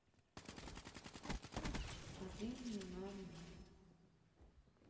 один ноль ноль